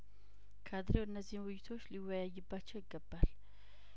ካድሬው እነዚህን ውይይቶች ሊወያይባቸው ይገባል